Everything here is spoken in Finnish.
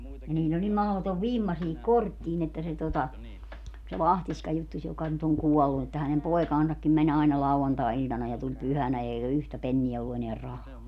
niillä oli niin mahdoton vimma siihen korttiin että se tuota se Lahtiska juttusi joka nyt on kuollut että hänen poikansakin meni aina lauantai-iltana ja tuli pyhänä eikä yhtä penniä ollut enää rahaa